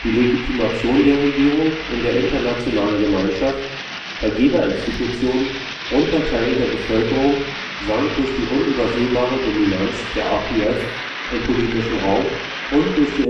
Legitimation der Regierung in der internationalen Gemeinschaft, bei Geberinstitutionen und bei Teilen der Bevölkerung sank durch die unübersehbare Dominanz der RPF im politischen Raum und durch die